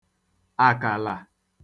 àkàlà